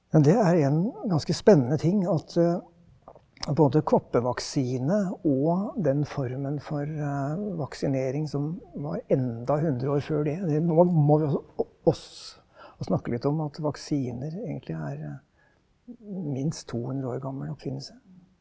men det er en ganske spennende ting at på en måte koppervaksine, og den formen for vaksinering som var enda 100 år før det, det må må vi også oss å snakke litt om at vaksiner egentlig er minst 200 år gammel oppfinnelse.